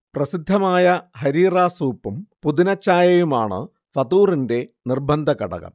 പ്രസിദ്ധമായ 'ഹരീറ' സൂപ്പും പുതിനച്ചായയുമാണ് ഫതൂറിന്റെ നിർബന്ധ ഘടകം